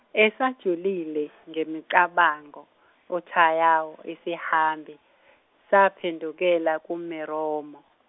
esajulile ngemicabango uTajewo isihambi saphendukela kuMeromo.